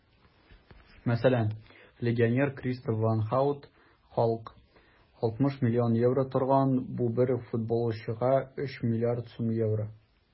Мәсәлән, легионер Кристоф ван Һаут (Халк) 60 млн евро торган - бу бер футболчыга 3 млрд сум евро!